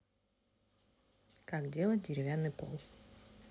как делать деревянный пол